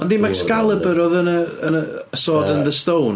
Ond dim Excalibur oedd yn yy yn y Sword and the Stone.